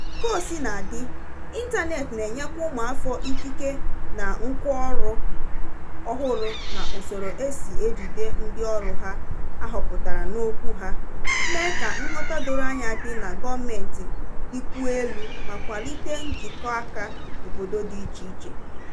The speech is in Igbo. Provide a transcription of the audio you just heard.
Kaosinadị, ịntaneetị na-enyekwa ụmụafọ ikike na ngwáọrụ ọhụrụ na usoro e si ejide ndịọrụ ha ahọpụtara n'okwu ha, mee ka nghọta doro anya dị na gọọmenti dịkwuo elu, ma kwalite njikọaka obodo dị icheiche.